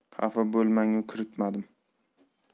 xafa bo'lmang u kiritmadim